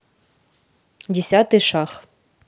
десятый шаг